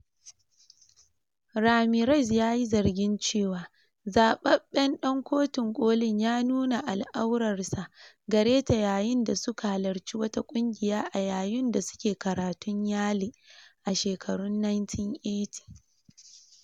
Ramirez yayi zargin cewa zababben dan Kotun Kolin ya nuna al'aurarsa gare ta yayin da suka halarci wata ƙungiya a yayin da suke karatun Yale a shekarun 1980.